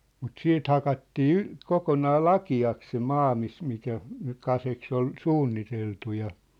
mutta siitä hakattiin - kokonaan lakeaksi se maa - mikä nyt kaskeksi oli suunniteltu ja